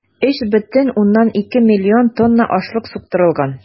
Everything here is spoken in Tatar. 3,2 млн тонна ашлык суктырылган.